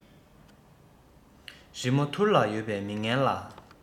རི མོ ཐུར ལ ཡོད པའི མི ངན ལ